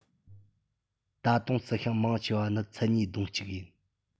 ད དུང རྩི ཤིང མང ཆེ བ ནི མཚན གཉིས སྡོང གཅིག ཡིན